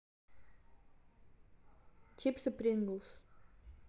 чипсы pringles